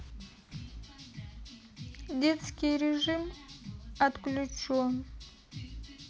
детский режим отключен